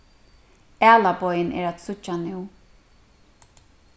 ælabogin er at síggja nú